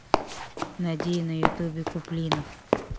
найди на ютубе куплинов